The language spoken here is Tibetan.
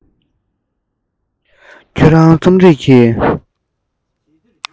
ཁྱོད རང རྩོམ རིག གི